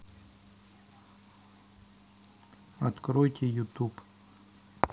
откройте ютуб